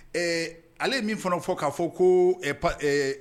Ee ale ye min fana fɔ k'a fɔ ko